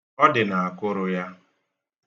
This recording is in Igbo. Ọ dị na akụrụ ya.